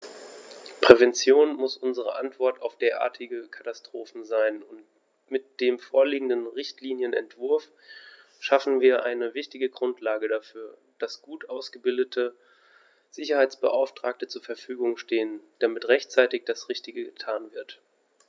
Prävention muss unsere Antwort auf derartige Katastrophen sein, und mit dem vorliegenden Richtlinienentwurf schaffen wir eine wichtige Grundlage dafür, dass gut ausgebildete Sicherheitsbeauftragte zur Verfügung stehen, damit rechtzeitig das Richtige getan wird.